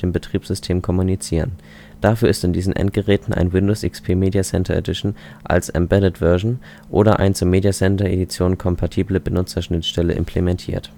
Betriebssystem kommunizieren. Dafür ist in diesen Endgeräten ein Windows XP Media Center Edition als „ embedded Version “oder ein zur Media Center Edition kompatible Benutzerschnittstelle implementiert